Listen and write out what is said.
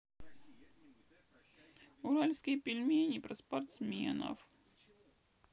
уральские пельмени про спортсменов